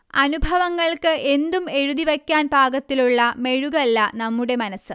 അനുഭവങ്ങൾക്ക് എന്തും എഴുതിവെക്കാൻ പാകത്തിലുള്ള മെഴുകല്ല നമ്മുടെ മനസ്സ്